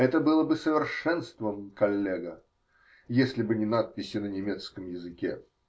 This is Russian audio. Это было бы совершенством, коллега, если бы не надписи на немецком языке.